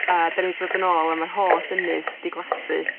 a 'dyn ni 'di dod yn ôl a ma'r holl ynys 'di glasu.